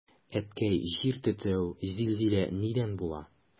Әткәй, җир тетрәү, зилзилә нидән була?